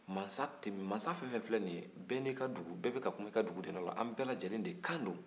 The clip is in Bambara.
ma fɛn o fɛn filɛ nin ye bɛɛ n'i ka dugu bɛɛ bɛ ka kuma i ka dugu tɔgɔ de la wa an bɛɛ lajɛlen de kan don